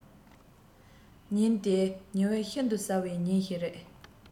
ཉིན དེ ཉི འོད ཤིན ཏུ གསལ བའི ཉིན ཞིག རེད